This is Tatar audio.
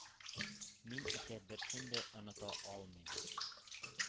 Мин исә берсен дә оныта алмыйм,